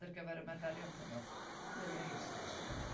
ar gyfer ymerferion pan oedd Lily a rhein i fewn.